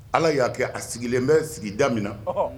Ala y'a kɛ a sigilen bɛ sigidamin na